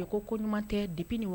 I ko ko ɲuman tɛ depuis nin wa